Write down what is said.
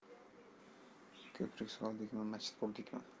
ko'prik soldikmi machit qurdikmi